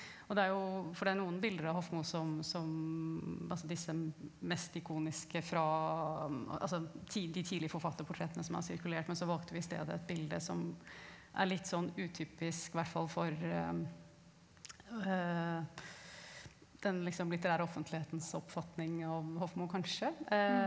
og det er jo for det er noen bilder av Hofmo som som altså disse mest ikoniske fra altså de tidlige forfatterportrettene som har sirkulert, men så valgte vi i stedet et bilde som er litt sånn utypisk hvert fall for den liksom litterære offentlighetens oppfatning av Hofmo kanskje .